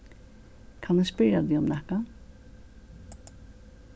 kann eg spyrja teg um nakað